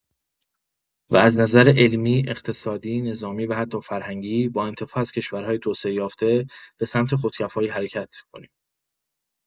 و از نظر علمی اقتصادی نظامی و حتی فرهنگی با انتفاع از کشورهای توسعۀافته به سمت خود کفایی حرکت کنیم.